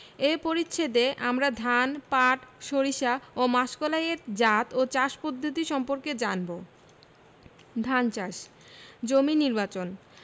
এ পরিচ্ছেদে আমরা ধান পাট সরিষা ও মাসকলাই এর জাত ও চাষ পদ্ধতি সম্পর্কে জানব ধান চাষ জমি নির্বাচনঃ